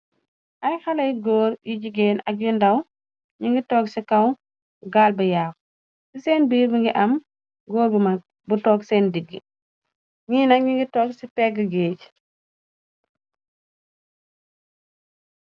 Ay xalay góor yi jigéen ak yu ndaw ñungi togg ci kaw gaal bi yaxu ci seen birr mongi am góor bu maag bu togg seen diggi nyi nak nyugi togg ci péggi géej.